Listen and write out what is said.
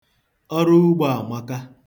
Ọruugbo amaka.